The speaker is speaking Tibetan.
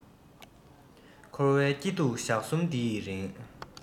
འཁོར བའི སྐྱིད སྡུག ཞག གསུམ འདི ཡི རིང